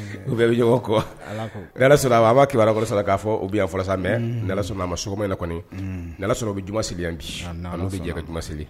U bɛɛ bi ɲɔgɔn k.o . Ni Ala sɔnna na an ma akibaru sɔrɔ sa ka fɔ u bi yan mais ni Ala sɔnna na sɔgɔma, ni Ala sɔnna ma u bɛ juma seli yan bi bɛ . An nu bi bɛ ka juma seli.